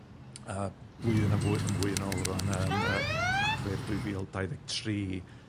yy blwyddyn a fwy yn fwy yn ôl rŵan, yym Rhagfyr dwy fil dau ddeg tri